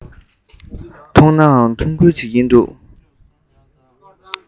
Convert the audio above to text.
མཐོང ནའང མ མཐོང ཁུལ བྱེད ཀྱིན འདུག